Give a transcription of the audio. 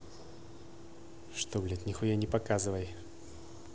что блядь нихуя не показывай